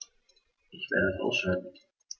Ich werde es ausschalten